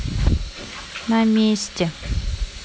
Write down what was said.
на месте